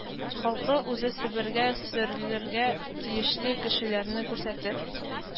Халкы үзе себергә сөрелергә тиешле кешеләрне күрсәтеп,